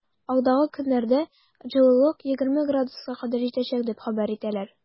Алдагы көннәрдә җылылык 20 градуска кадәр җитәчәк дип хәбәр итәләр.